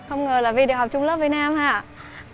không ngờ là vy được học chung lớp với nam ha